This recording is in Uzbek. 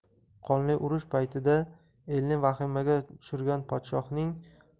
qonli urush paytida elni vahimaga tushirgan podshohning